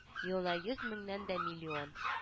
Елына йөз меңнән дә миллион